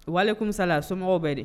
U'ale kunmisala somɔgɔw bɛ dɛ